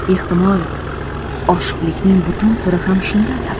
ehtimol oshiqlikning butun siri ham shundadir